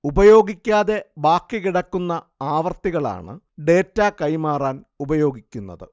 ഉപയോഗിക്കാതെ ബാക്കി കിടക്കുന്ന ആവൃത്തികളാണ് ഡാറ്റാ കൈമാറാൻ ഉപയോഗിക്കുന്നത്